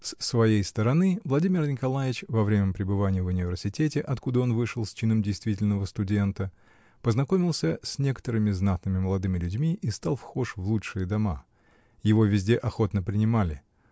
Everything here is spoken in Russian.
С своей стороны, Владимир Николаич во время пребывания в университете, откуда он вышел с чином действительного студента, познакомился с некоторыми знатными молодыми людьми и стал вхож в лучшие дома. Его везде охотно принимали